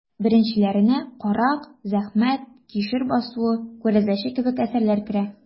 Беренчеләренә «Карак», «Зәхмәт», «Кишер басуы», «Күрәзәче» кебек әсәрләр керә.